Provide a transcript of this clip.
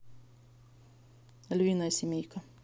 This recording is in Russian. львиная семейка